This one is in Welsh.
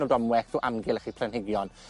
o ddomwellt o amgylch y planhigion.